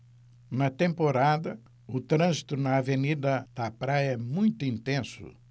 na temporada o trânsito na avenida da praia é muito intenso